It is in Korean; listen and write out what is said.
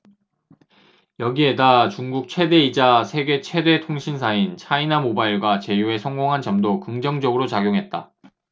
여기에다 중국 최대이자 세계 최대 통신사인 차이나모바일과 제휴에 성공한 점도 긍정적으로 작용했다